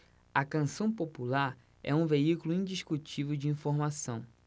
a canção popular é um veículo indiscutível de informação